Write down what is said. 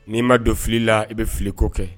N'i ma don fili la i bɛ filiko kɛ